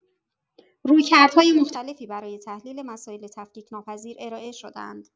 رویکردهای مختلفی برای تحلیل مسائل تفکیک‌ناپذیر ارائه شده‌اند.